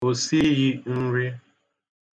O sighi nri.